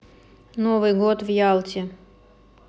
новый год в ялте